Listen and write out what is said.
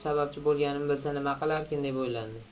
sababchi bo'lganimni bilsa nima qilarkin deb o'ylandi